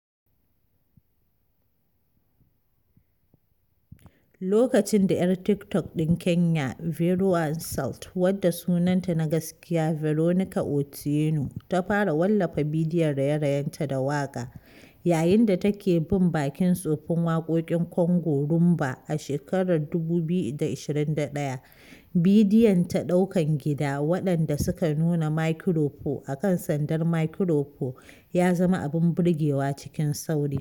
Lokacin da 'yar TikTok ɗin Kenya @Veroansalt (wadda sunanta na gaskiya Veronica Otieno) ta fara wallafa bidiyon raye-rayenta da waƙa yayin da ta ke bin bakin tsofin waƙoƙin Congo Rhumba a shekarar 2021, bidiyonta ɗaukan gida waɗanda suka nuna makirufo akan sandar makirufo ya zama abin burgewa cikin sauri.